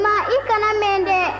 ma i kana mɛn dɛ